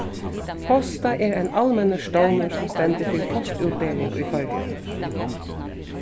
posta er ein almennur stovnur sum stendur fyri postútbering í føroyum